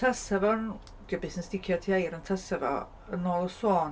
Tasa fo'n... 'di o byth yn sticio at ei air ond tasa fo, yn ôl y sôn...